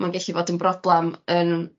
ma' o'n gellu bod yn broblam yn